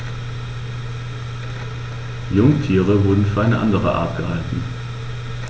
Jungtiere wurden für eine andere Art gehalten.